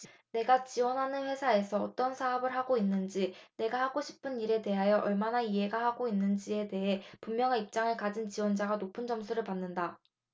내가 지원하는 회사에서 어떤 사업을 하고 있는지 내가 하고 싶은 일에 대하여 얼마나 이해하고 있는지에 대해 분명한 입장을 가진 지원자가 높은 점수를 받는다